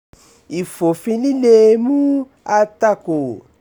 Ìfòfinlíle mú àtakò